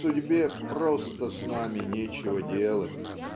, судьбе просто с нами нечего делать.